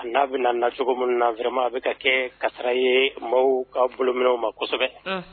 N'a bɛna na cogo min na wɛrɛma a bɛ ka kɛ kara ye maaw ka bolo minw ma kosɛbɛ